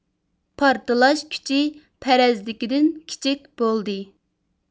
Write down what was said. پارتلاش كۈچى پەرەزدىكىدىن كىچىك بولدى